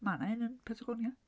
Mae 'na un yn Patagonia.